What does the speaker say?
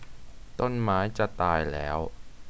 ต้นไม้จะตายแล้ว